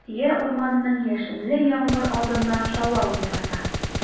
Илсөя урманның яшенле яңгыр алдыннан шаулавын ярата.